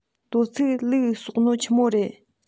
དོ ཚིགས ལུད གསོགས ནོ ཆི མོ རེད